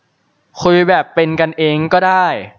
คุยแบบเป็นกันเองก็ได้